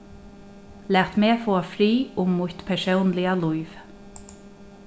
lat meg fáa frið um mítt persónliga lív